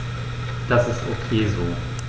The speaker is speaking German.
Das ist ok so.